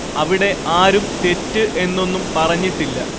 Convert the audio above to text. അവിടെ ആരും തെറ്റ് എന്നൊന്നും പറഞ്ഞിട്ടില്ല